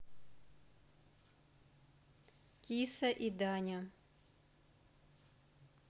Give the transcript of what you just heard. киса и даня